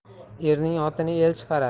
erning otini el chiqarar